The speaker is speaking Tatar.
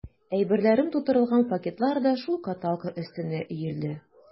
Әйберләрем тутырылган пакетлар да шул каталка өстенә өелде.